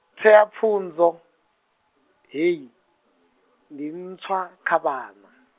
theapfunzo, hei, ndi ntswa kha vhana.